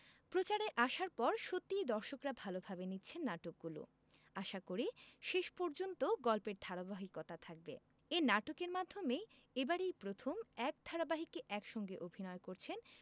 প্রচারে আসার পর সত্যিই দর্শকরা ভালোভাবে নিচ্ছেন নাটকগুলো আশাকরি শেষ পর্যন্ত গল্পের ধারাবাহিকতা থাকবে এ নাটকের মাধ্যমেই এবারই প্রথম এক ধারাবাহিকে একসঙ্গে অভিনয় করছেন